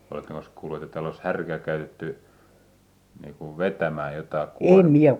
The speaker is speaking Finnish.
olettekos kuullut että täällä olisi härkää käytetty niin kuin vetämään jotakin kuormaa